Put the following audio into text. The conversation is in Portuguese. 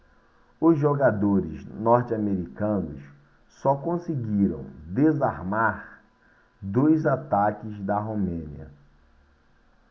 os jogadores norte-americanos só conseguiram desarmar dois ataques da romênia